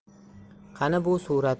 qani bu suratni